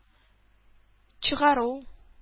Чыгару